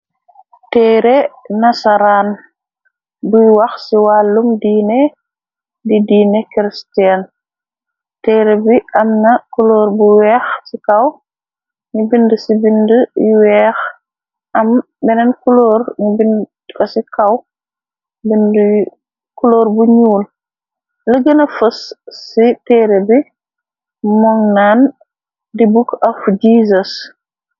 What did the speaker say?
teere nasaraan buy wax ci wàllum diine di diine cristiene teere bi am na kuloor bu weex ci kaw ni bind ci bind yu weex am beneen klor u bind ci kaw bkuloor bu ñuul le gëna fos ci teere bi mon naan di bukk af jeesus